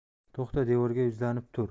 to'xta devorga yuzlanib tur